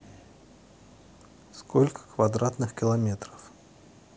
сколько квадратных километров